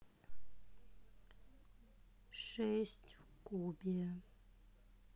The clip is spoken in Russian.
шесть в кубе